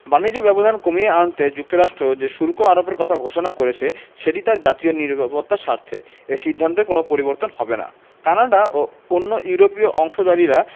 বাণিজ্য ব্যবধান কমিয়ে আনতে যুক্তরাষ্ট্র যে শুল্ক আরোপের কথা ঘোষণা করেছে সেটি তার জাতীয় নিরাপত্তার স্বার্থে এ সিদ্ধান্তের কোনো পরিবর্তন হবে না কানাডা ও অন্য ইউরোপীয় অংশীদারেরা